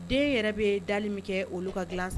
Den yɛrɛ bɛ dali min kɛ olu ka dilan san